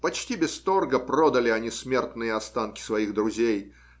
почти без торга продали они смертные останки своих друзей.